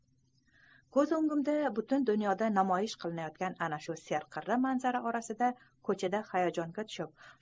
ko'z o'ngimda butun dunyoda namoyish qilinayotgan ana shu serqirra manzara orasida ko'chada hayajonga tushib